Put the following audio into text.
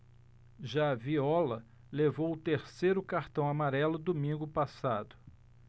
já viola levou o terceiro cartão amarelo domingo passado